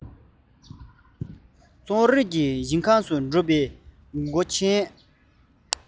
རྩོམ རིག གི ཞིང ཁམས འགྲིམས པའི སྒོ ཆེན འདི ནས